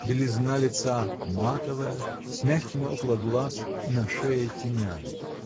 Белизна лица матовая, с мягкими около глаз и на шее тенями.